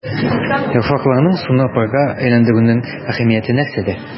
Яфракларның суны парга әйләндерүнең әһәмияте нәрсәдә?